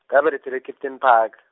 ngabelethelwa e- Kemptonpark.